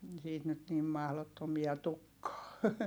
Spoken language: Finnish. siitä nyt niin mahdottomia tulekaan